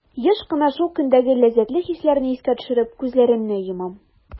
Еш кына шул көндәге ләззәтле хисләрне искә төшереп, күзләремне йомам.